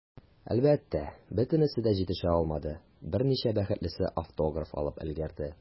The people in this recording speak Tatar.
Әлбәттә, бөтенесе дә җитешә алмады, берничә бәхетлесе автограф алып өлгерде.